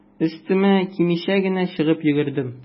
Өстемә кимичә генә чыгып йөгердем.